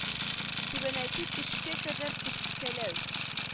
Түбәнәйтү төшкә кадәр төшкәләү